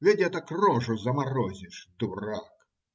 Ведь этак рожу заморозишь. дурак.